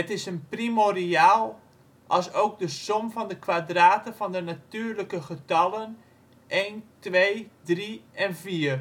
is een primoriaal als ook de som van de kwadraten van de natuurlijke getallen 1, 2, 3 en 4. Het